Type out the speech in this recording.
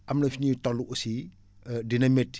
am na fu ñuy toll aussi dina métti